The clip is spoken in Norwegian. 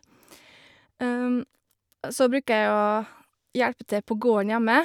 Så bruker jeg å hjelpe til på gården hjemme.